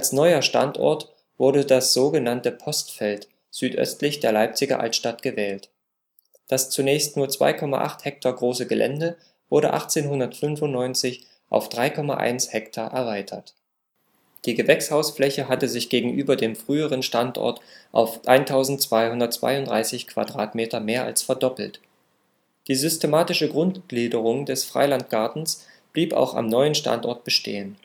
neuer Standort wurde das sogenannte Postfeld südöstlich der Leipziger Altstadt gewählt. Das zunächst nur 2,8 Hektar große Gelände wurde 1895 auf 3,1 Hektar erweitert. Die Gewächshausfläche hatte sich gegenüber dem früheren Standort auf 1232 m² mehr als verdoppelt. Die systematische Grundgliederung des Freilandgartens blieb auch am neuen Stadtort bestehen